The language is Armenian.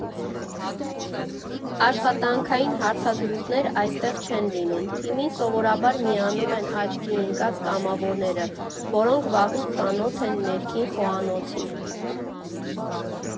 Աշխատանքային հարցազրույցներ այստեղ չեն լինում, թիմին սովորաբար միանում են աչքի ընկած կամավորները, որոնք վաղուց ծանոթ են ներքին խոհանոցին։